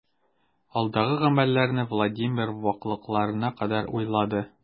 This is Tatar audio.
Алдагы гамәлләрне Владимир ваклыкларына кадәр уйлады.